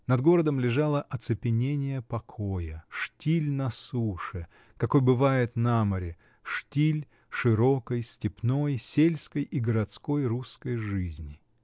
Над городом лежало оцепенение покоя, штиль на суше, какой бывает на море, штиль широкой, степной, сельской и городской русской жизни.